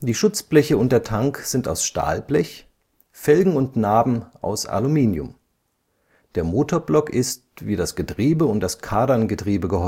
Schutzbleche und der Tank sind aus Stahlblech, Felgen und Naben aus Aluminium. Der Motorblock ist, wie das Getriebe und das Kardangetriebegehäuse